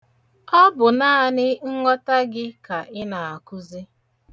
Ọ bụ naanị nghọta gị ka ị na-akụzi.